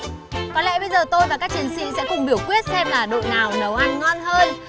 có lẽ bây giờ tôi và các chiến sĩ sẽ cùng biểu quyết xem là đội nào nấu ăn ngon hơn